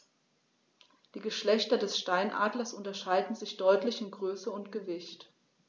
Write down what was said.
Die Geschlechter des Steinadlers unterscheiden sich deutlich in Größe und Gewicht.